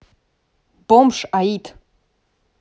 бомж аид